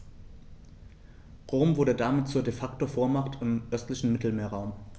Rom wurde damit zur ‚De-Facto-Vormacht‘ im östlichen Mittelmeerraum.